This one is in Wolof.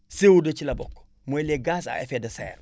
CO2 ci la bokk mooy les gaz à effet de serre